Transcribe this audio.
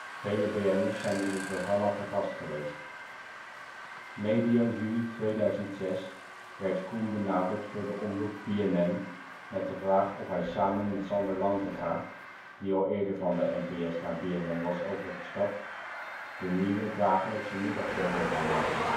Vele BN'ers zijn in dit programma te gast geweest. Medio juli 2006 werd Coen benaderd door de omroep BNN met de vraag of hij samen met Sander Lantinga (die al eerder van de NPS naar BNN was overgestapt) de nieuwe dagelijkse middagshow wil gaan maken